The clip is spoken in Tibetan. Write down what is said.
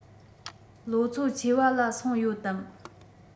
ལོ ཚོད ཆེ བ ལ སོང ཡོད དམ